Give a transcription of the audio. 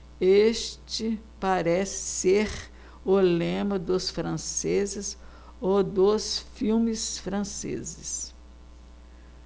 este parece ser o lema dos franceses ou dos filmes franceses